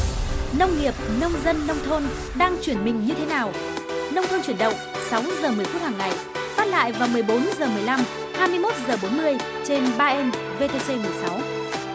nông nghiệp nông dân nông thôn đang chuyển mình như thế nào nông thôn chuyển động sáu giờ mười phút hằng ngày phát lại vào mười bốn giờ mười lăm hai mươi mốt giờ bốn mươi trên ba en vê tê xê mười sáu